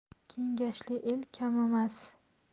kengashli el kamimas